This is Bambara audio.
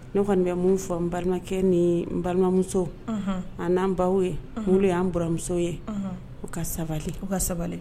Ne kɔni bɛ mun fɔ n balimakɛ ni balimamuso an'an baw ye y' an bmuso ye o ka sabali o ka sabali